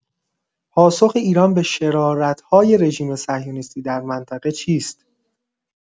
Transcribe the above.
پاسخ ایران به شرارت‌های رژیم صهیونیستی در منطقه چیست؟